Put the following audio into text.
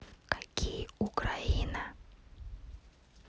какие украина